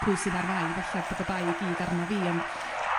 pwy sydd ar fai 'falle bod y bai i gyd arnaf fi ond